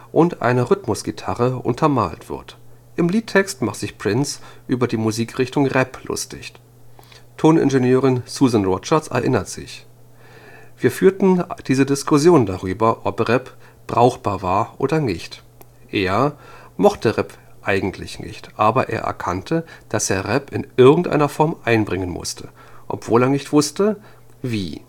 und einer Rhythmus-Gitarre untermalt wird. Im Liedtext macht sich Prince über die Musikrichtung Rap lustig; Toningenieurin Susan Rogers erinnerte sich: „ Wir führten diese Diskussionen darüber, ob Rap brauchbar war oder nicht. Er [Prince] mochte Rap eigentlich nicht, aber er erkannte, dass er Rap in irgendeiner Form einbringen musste; obwohl er nicht wusste, wie